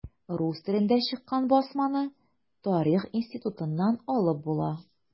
Рус телендә чыккан басманы Тарих институтыннан алып була.